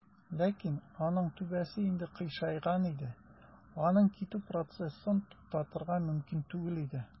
Ләкин аның түбәсе инде "кыйшайган" иде, аның китү процессын туктатырга мөмкин түгел иде.